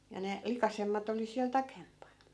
ja ne likaisemmat oli siellä taempana